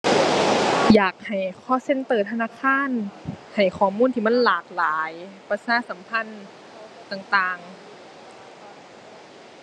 อยากให้ call center ธนาคารให้ข้อมูลที่มันหลากหลาย ประชาสัมพันธ์ต่างต่าง